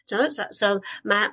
T'mo' so so ma'